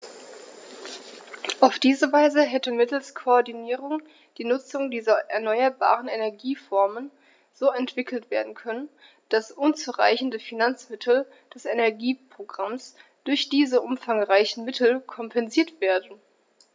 Auf diese Weise hätte mittels Koordinierung die Nutzung dieser erneuerbaren Energieformen so entwickelt werden können, dass unzureichende Finanzmittel des Energieprogramms durch diese umfangreicheren Mittel kompensiert werden.